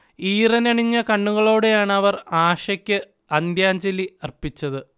ഈറനണിഞ്ഞ കണ്ണുകളോടെയാണ് അവർ ആഷയ്ക്ക് അന്ത്യാജ്ഞലി അർപ്പിച്ചത്